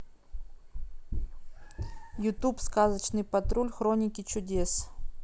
ютуб сказочный патруль хроники чудес